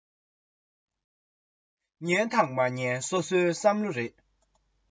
ཁ ཆེ ཕ ལུའི སྙིང གཏམ བཤད ཡོད དོ